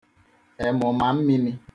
èmụ̀màmmīnī